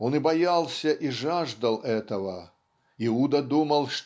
он и боялся, и жаждал этого, Иуда думал